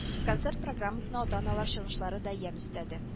Концерт программасына ата-аналар чыгышлары да ямь өстәде